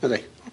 Medda 'i.